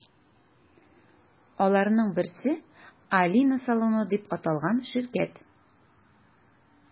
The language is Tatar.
Аларның берсе – “Алина салоны” дип аталган ширкәт.